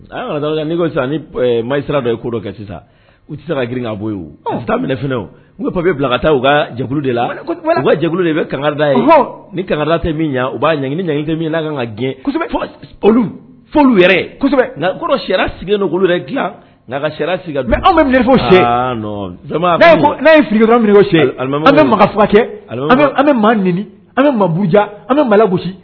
Ni maa sira dɔ ye ko dɔ kɛ sisan u tɛ se ka grin bɔ ye taa minɛ n papi bila ka taa u ka ja de la u ka ja de bɛ kangada ye ni kangada ta min u b'a ɲɛg ni ɲ min n'a kan ka gɛn olu fo olu yɛrɛ sigi yɛrɛ dila nka sigi an bɛ fɔ ne ye fili minɛ an ka makanfa kɛ an bɛ maa ni an kabuja an ka ma gosi